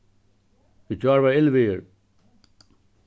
í gjár var illveður